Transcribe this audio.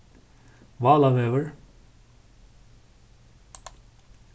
válavegur